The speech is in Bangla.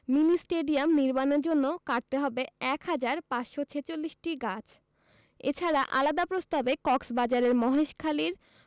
মিনি স্টেডিয়াম নির্মাণের জন্য কাটতে হবে এক হাজার ৫৪৬টি গাছ এছাড়া আলাদা প্রস্তাবে কক্সবাজারের মহেশখালীর